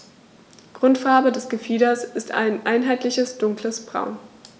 Grundfarbe des Gefieders ist ein einheitliches dunkles Braun.